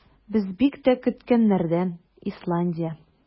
Без бик тә көткәннәрдән - Исландия.